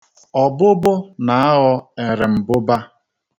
Ọbụbụ na-aghọ erembụba.